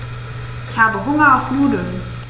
Ich habe Hunger auf Nudeln.